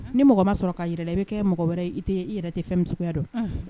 Ni mɔgɔ ma sɔrɔ ka jira i la i bɛ kɛ mɔgɔ wɛrɛ i yɛrɛ tɛ fɛn min suguya don, unhun.